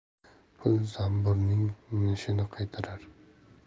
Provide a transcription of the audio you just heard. pul zamburning nishini qaytarar